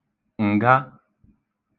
ǹga